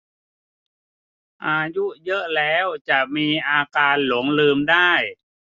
อายุเยอะแล้วจะมีอาการหลงลืมได้